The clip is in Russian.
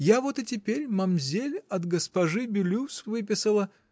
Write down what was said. я вот и теперь мамзель от госпожи Болюс выписала.